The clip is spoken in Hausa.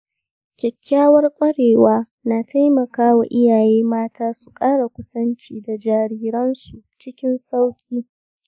kyakkyawar kwarewa na taimaka wa iyaye mata su ƙara kusanci da jariransu cikin sauƙi.